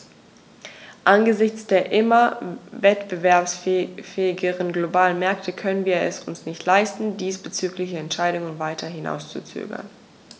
Angesichts der immer wettbewerbsfähigeren globalen Märkte können wir es uns nicht leisten, diesbezügliche Entscheidungen weiter hinauszuzögern.